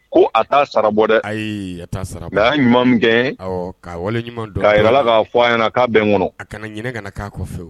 Ko a' sara bɔ dɛ ayi sara a y'a ɲuman min gɛn ka wale ɲuman don a jirala k' fɔ a ɲɛna k'a bɛn n kɔnɔ a kana ɲ ka na k'a kɔ fɛwu